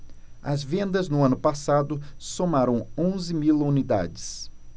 as vendas no ano passado somaram onze mil unidades